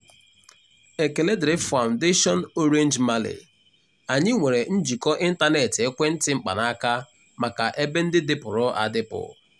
Ekele dịrị Fondation Orange Mali, anyị nwere njịkọ ịntanentị ekwentị mkpanaka maka ebe ndị dịpụrụ adịpụ.